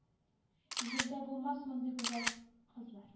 Җирдә булмас мондый гүзәл кызлар